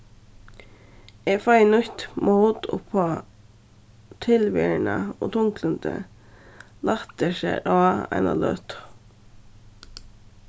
eg fái nýtt mót upp á tilveruna og tunglyndið lættir sær á eina løtu